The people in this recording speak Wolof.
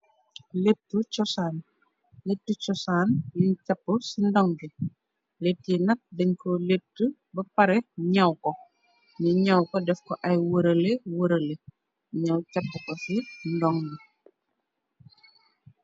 Lettu cosaan yuñ capp ci ndoŋ bi let yi nak dañ ko lëtt ba pare ñaw ko ni ñaw ko def ko ay wërale wërale ñaw càpp ko ci ndoŋ bi.